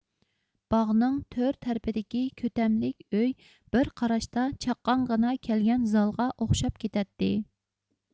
باغنىڭ تۆر تەرىپىدىكى كۆتەملىك ئۆي بىر قاراشتا چاققانغىنا كەلگەن زالغا ئوخشاپ كېتەتتى